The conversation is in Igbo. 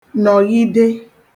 nọ̀ghide